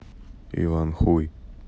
иван хуй